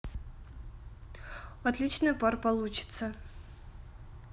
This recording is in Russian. отличная пара получится